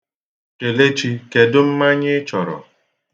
Kelechi, kedụ mmanya ị chọrọ?